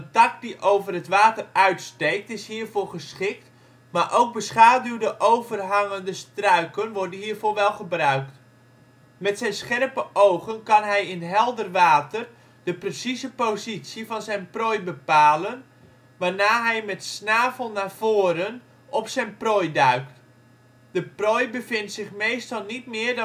tak die over het water uitsteekt is hiervoor geschikt maar ook beschaduwde overhangende struiken worden hiervoor wel gebruikt. Met zijn scherpe ogen kan hij in helder water de precieze positie van zijn prooi bepalen, waarna hij met snavel naar voren op zijn prooi duikt. De prooi bevindt zich meestal niet meer